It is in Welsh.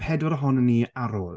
pedwar ohonon ni ar ôl?